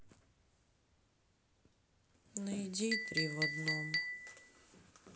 найди три в одном